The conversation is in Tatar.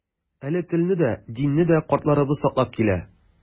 Әле телне дә, динне дә картларыбыз саклап килә.